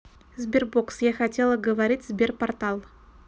sberbox я хотела говорить sberportal